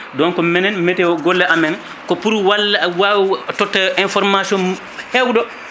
donc minen météo golle amen ko pour walle waw totta information hewɗo